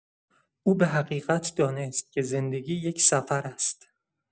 او به حقیقت دانست که زندگی یک سفر است.